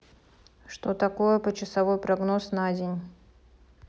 что такое почасовой прогноз на день